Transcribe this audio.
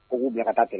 U k'u bilaka taa tɛ